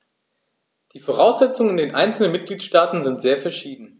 Die Voraussetzungen in den einzelnen Mitgliedstaaten sind sehr verschieden.